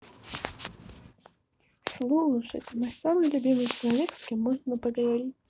слушай ты мой самый любимый человек с кем можно поговорить